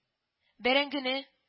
Бәрәңгене